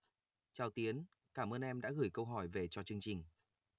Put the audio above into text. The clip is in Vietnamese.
chào tiến cảm ơn em đã gửi câu hỏi về cho chương trình